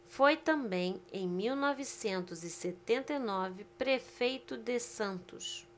foi também em mil novecentos e setenta e nove prefeito de santos